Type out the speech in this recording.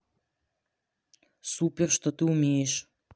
супер что ты умеешь